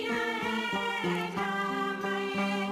Sanunɛ kagɛnin yo